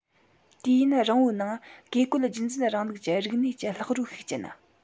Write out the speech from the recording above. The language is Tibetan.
དུས ཡུན རིང པོའི ནང བཀས བཀོད རྒྱུད འཛིན རིང ལུགས ཀྱི རིག གནས ཀྱི ལྷག རོའི ཤུགས རྐྱེན